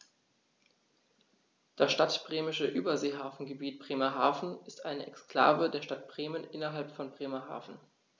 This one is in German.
Das Stadtbremische Überseehafengebiet Bremerhaven ist eine Exklave der Stadt Bremen innerhalb von Bremerhaven.